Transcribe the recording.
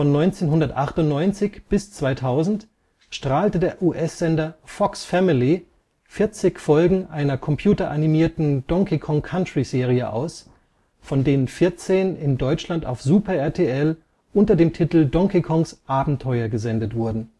1998 bis 2000 strahlte der US-Sender Fox Family 40 Folgen einer computeranimierten Donkey Kong Country-Serie aus, von denen 14 in Deutschland auf Super RTL unter dem Titel Donkey Kongs Abenteuer gesendet wurden